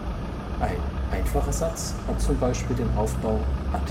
Ein einfacher Satz hat z. B. den Aufbau ART-SUBST-VERB-ART-SUBST